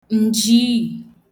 ̀njììì